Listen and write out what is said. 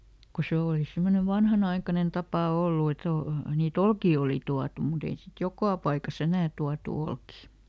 kun se oli semmoinen vanhanaikainen tapa ollut että on niitä olkia oli tuotu mutta ei sitten joka paikassa enää tuotu olkia